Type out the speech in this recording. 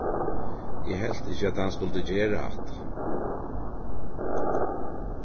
eg helt ikki at hann skuldi gera hatta